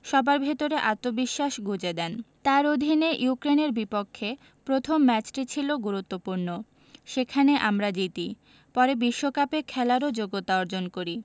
সবার ভেতরে আত্মবিশ্বাস গুঁজে দেন তাঁর অধীনে ইউক্রেনের বিপক্ষে প্রথম ম্যাচটি ছিল গুরুত্বপূর্ণ সেখানে আমরা জিতি পরে বিশ্বকাপে খেলারও যোগ্যতা অর্জন করি